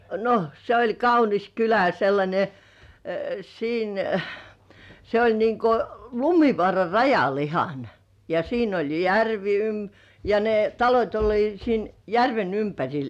no se oli kaunis kylä ja sellainen siinä se oli niin kuin Lumivaaran rajalla ihan ja siinä oli järvi - ja ne talot olivat siinä järven ympärillä